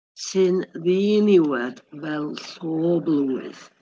Sy'n ddiniwed fel llo blwydd.